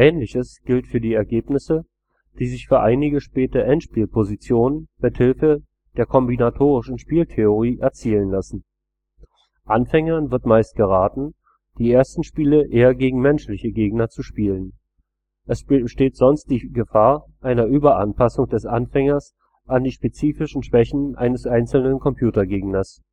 Ähnliches gilt für die Ergebnisse, die sich für einige späte Endspiel-Positionen mit Hilfe der kombinatorischen Spieltheorie erzielen lassen. Anfängern wird meist geraten, die ersten Spiele eher gegen menschliche Gegner zu spielen. Es besteht sonst die Gefahr einer Überanpassung des Anfängers an die spezifischen Schwächen eines einzelnen Computergegners